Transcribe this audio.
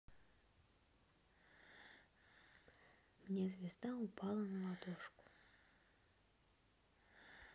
мне звезда упала на ладошку